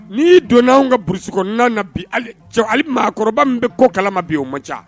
N'i y'i donnaanw kaurusi kɔnɔ na bi hali maakɔrɔba min bɛ ko kalama bi o man ca